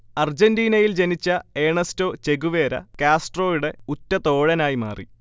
അർജന്റീനയിൽ ജനിച്ച Ernesto Che Guevara, കാസ്ട്രോയുടെ ഉറ്റതോഴനായി മാറി